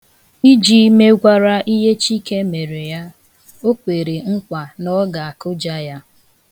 Iji megwara ihe Chike mere ya, o kwere nkwa na ọ ga-akụja ya.